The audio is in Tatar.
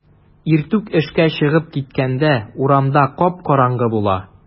Иртүк эшкә чыгып киткәндә урамда кап-караңгы була.